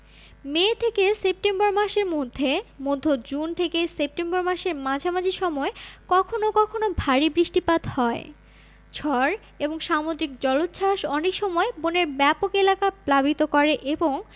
মে থেকে সেপ্টেম্বর মাসের মধ্যে মধ্য জুন থেকে সেপ্টেম্বর মাসের মাঝামাঝি সময় কখনও কখনও ভারী বৃষ্টিপাত হয় ঝড় এবং সামুদ্রিক জলোচ্ছ্বাস অনেক সময় বনের ব্যাপক এলাকা প্লাবিত করে এবং